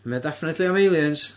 Mae o definitely am aliens.